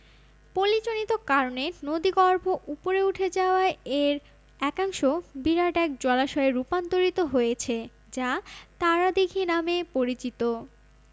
পলিজনিত কারণে নদীগর্ভ উপরে উঠে যাওয়ায় এর একাংশ বিরাট এক জলাশয়ে রূপান্তরিত হয়েছে যা তারা দিঘি নামে পরিচিত